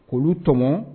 Olu tɔmɔ